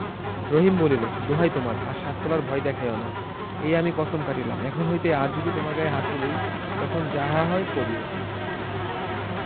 রহিম বলিল দোহাই তোমার আর সাত কলার ভয় দেখাইও এই আমি কছম কাটিলাম এখন হইতে আর যদি তোমার গায়ে হাত তুলি তখন যাহা হয় করিও